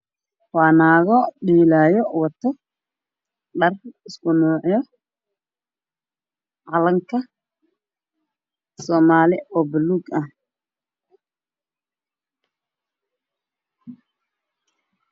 Waa naago dheelaayo wato dhar isku noocyo calanka soomaali oo baluug ah